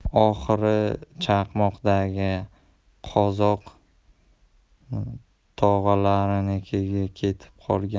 oxiri chaqmoqdagi qozoq tog'alarinikiga ketib qolgan